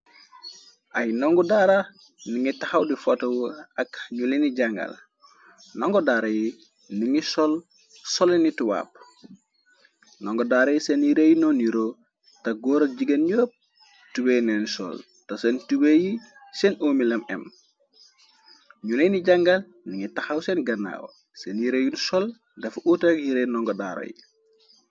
Ayy ndongo daara ni ngi taxaw di fotawu ak nju lehni jangal, ndongo daara yi ningi sol solini tubab, ndongo daara yi sehnn yehreh njur niro teh gorra gigain yohpp tubeiyy lehnn sol, teh sehnn tubeiyy yi sehnn ohmm mii laa emm, nju lehn ni jangal ningi taxaw sehn ganaw, sehnn yehreh yinju sol dafa ouuta yehreh ndongo daara yi.